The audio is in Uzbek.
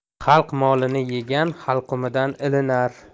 xalq molini yegan halqumidan ilinar